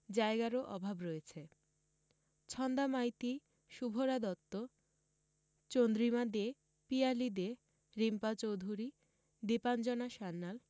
জায়গারও অভাব রয়েছে ছন্দা মাইতি শুভরা দত্ত চন্দ্রিমা দে পিয়ালি দে রিমপা চোধুরী দীপাঞ্জনা সান্যাল